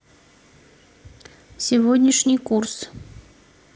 сегодняшний курс